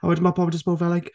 A wedyn ma' pobl jyst fel like...